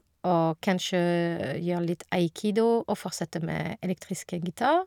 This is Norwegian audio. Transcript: Og kanskje gjøre litt aikido og fortsette med elektriske gitar.